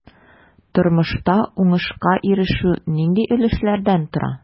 Тормышта уңышка ирешү нинди өлешләрдән тора?